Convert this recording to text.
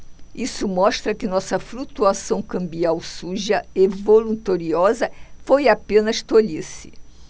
isso mostra que nossa flutuação cambial suja e voluntariosa foi apenas tolice